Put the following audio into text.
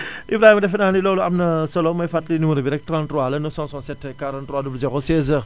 Ibrahima defe naa ne loolu am na solo may fàttali numéro bi rek 33 la 967 43 00 16h